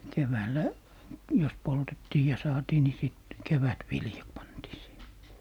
keväällä jos poltettiin ja saatiin niin sitten kevätviljat pantiin siihen